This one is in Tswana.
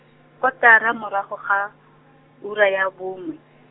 kotara morago ga , ura ya bongwe.